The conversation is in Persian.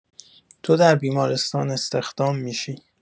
تو در بیمارستان استخدام می‌شی.